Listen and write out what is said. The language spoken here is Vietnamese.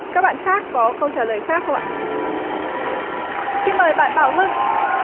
các bạn khác có câu trả lời khác không ạ xin mời bạn bảo hưng